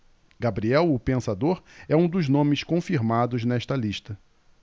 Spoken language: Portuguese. gabriel o pensador é um dos nomes confirmados nesta lista